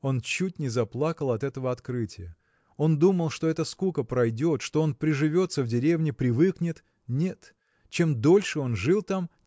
он чуть не заплакал от этого открытия. Он думал что эта скука пройдет что он приживется в деревне привыкнет – нет чем дольше он жил там